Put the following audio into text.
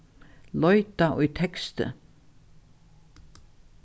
leita í teksti